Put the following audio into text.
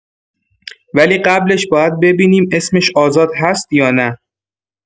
ولی قبلش باید ببینیم اسمش آزاد هست یا نه.